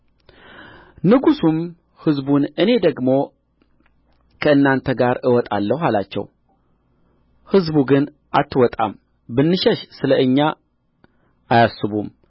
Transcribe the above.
ንጉሡም ሕዝቡን እኔ ደግሞ ከእናንተ ጋር እወጣለሁ አላቸው ሕዝቡ ግን አትወጣም ብንሸሽ ስለ እኛ አያስቡም